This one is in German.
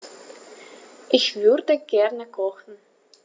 Ich würde gerne kochen.